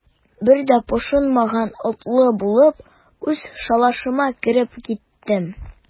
Бер дә пошынмаган атлы булып, үз шалашыма кереп киттем.